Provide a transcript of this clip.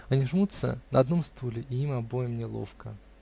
Они жмутся на одном стуле, и им обоим неловко.